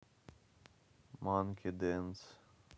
манки денс